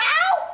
cáo